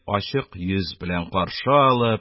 Ачык йөз белән каршы алып,